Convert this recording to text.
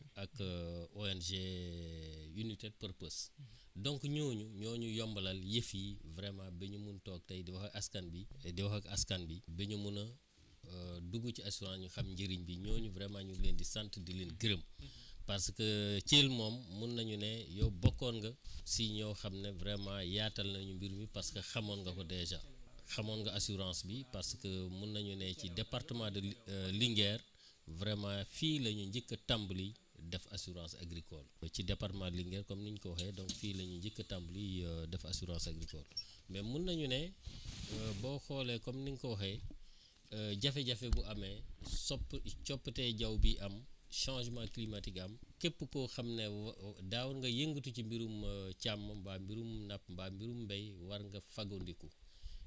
ak ONG United purpose donc ñooñu ñoo ñu yombalal yëf yi vraiment ba ñu mën toog ey di wax ak askan bi di wax ak askan bi ba ñu mun a dugg ci assurance ñu xam njëriñ bi ñooñu vraiment ñu ngi leen di sant di leen gërëm parce que Thièl moom mën nañu ne yow bokkoon nga si ñoo xam ne vraiment yaatal nañu mbir mi parce que xamoon nga ko déjà xamoon nga assurance bi parce que mun nañu ne tey ci département de Li Linguère vraiment fii la ñu njëkk a tàmbali def assurance agricole ci département Lingu-re comme ni nga ko waxee donc fii la ñu njëkk a tàmbali def assurance agricole mais mun nañu ne boo xoolee comme ni ñu ko waxee jafe-jafe bu amee sopp coppite jaww bi am changement climatique am képp koo xam ne daawoon nga yëngatu ci mbirum càmm mbaa mbirum napp mbaa mbirum mbéy war nga fangandiku